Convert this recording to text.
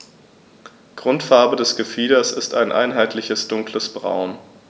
Grundfarbe des Gefieders ist ein einheitliches dunkles Braun.